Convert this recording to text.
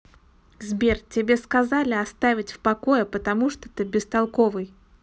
сбер тебе сказали оставить в покое потому что ты бестолковый